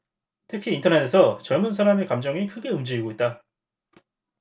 특히 인터넷에서 젊은 사람의 감정이 크게 움직이고 있다